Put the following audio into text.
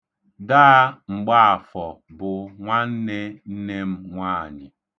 Daa Mgbaafọ bụ nwanne nne m nwaanyị.